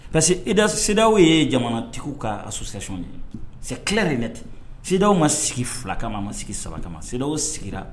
Parce que idaw ye jamanatigiw kasɛc ye tila de la ten sidaw ma sigi fila kamama ma sigi sabanan kamaw sigira